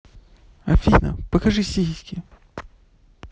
афина покажи сиськи